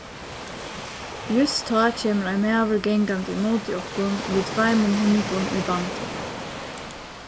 júst tá kemur ein maður gangandi ímóti okkum við tveimum hundum í bandi